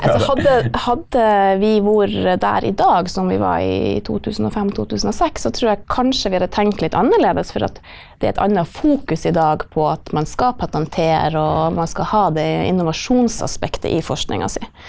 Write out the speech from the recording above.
altså hadde hadde vi vært der i dag som vi var i 2005 2006 så trur jeg kanskje vi hadde tenkt litt annerledes, for at det er et anna fokus i dag på at man skal patentere, og man skal ha det innovasjonsaspektet i forskninga si.